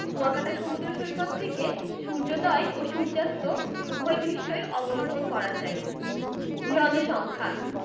কুয়াকাটা সমুদ্র সৈকত থেকে সূর্যোদয় ও সূর্যাস্ত উভয় দৃশ্যই অবলোকন করা যায় জনসংখ্যাঃ